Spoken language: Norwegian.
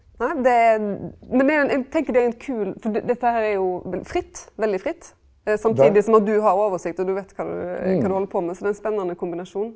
nei det er men det er ein eg tenker det er ein kul for dette her er jo fritt, veldig fritt, samtidig som at du har oversikt og du veit kva du kva du held på med så det er ein spennande kombinasjon.